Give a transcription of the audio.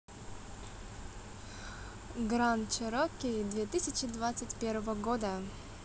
grand cherokee две тысячи двадцать первого года